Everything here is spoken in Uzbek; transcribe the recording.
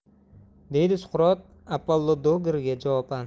deydi suqrot apollodorga javoban